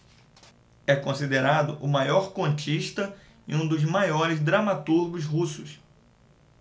é considerado o maior contista e um dos maiores dramaturgos russos